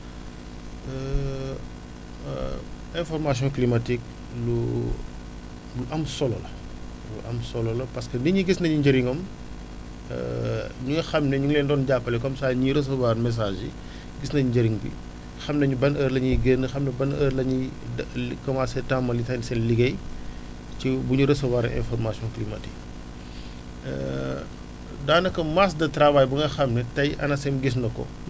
information climatique lu lu am solo la lu am solo la parce que nit ñi gis nañ njëriñam ñi nga xam ne ñu ngi leen doon jàppale comme saa ñuy recevoir messages yi gis nañ njëriñ bi xam nañu ban heure la ñuy génn xam nañu ban heure la ñuy da li commencé tàmbali seen seen liggéey ci bu ñu recevoir information climatique yi daanaka masse de travail bu nga xam ne tey ANACIM gis na ko